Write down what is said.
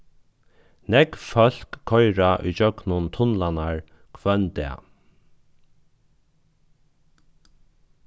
nógv fólk koyra ígjøgnum tunlarnar hvønn dag